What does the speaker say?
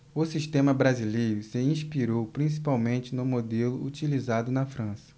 o sistema brasileiro se inspirou principalmente no modelo utilizado na frança